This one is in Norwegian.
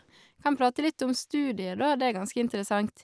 Kan prate litt om studiet, da, det er ganske interessant.